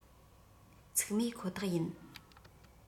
འཚིག རྨས ཁོ ཐག ཡིན